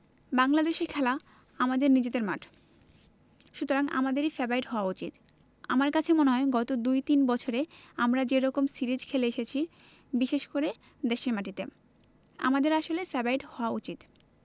বাংলাদেশে খেলা আমাদের নিজেদের মাঠ সুতরাং আমাদেরই ফেবারিট হওয়া উচিত আমার কাছে মনে হয় গত দু তিন বছরে আমরা যে রকম সিরিজ খেলে এসেছি বিশেষ করে দেশের মাটিতে আমাদের আসলে ফেবারিট হওয়া উচিত